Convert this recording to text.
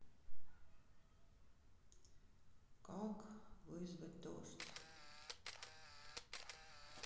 как вызвать дождь